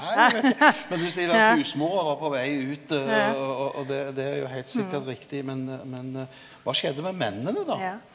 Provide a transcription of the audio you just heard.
nei veit du, men du seier at husmora var på veg ut og og det det er jo heilt sikkert riktig, men men kva skjedde med mennene då?